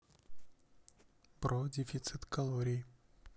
про дефицит калорий